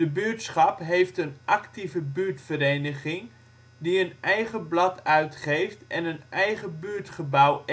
buurtschap heeft een actieve buurtvereniging die een eigen blad uitgeeft en een eigen buurtgebouw